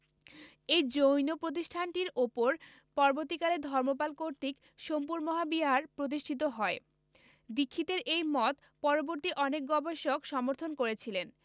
এই জৈন প্রতিষ্ঠানটির উপর পরবর্তীকালে ধর্মপাল কর্তৃক সোমপুর মহাবিহার প্রতিষ্ঠিত হয় দীক্ষিতের এই মত পরবর্তী অনেক গবেষক সমর্থন করেছেন